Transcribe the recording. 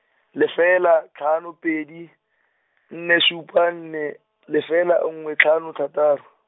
lefela, tlhano pedi, nne supa nne, lefela nngwe tlhano thataro.